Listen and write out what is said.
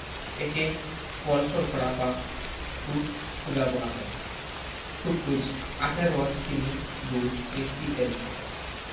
একে ফল শর্করা বা ফ্রুট শুগার বলা হয়ে থাকে সুক্রোজ আখের রস চিনি গুড় মিছরি এর উৎস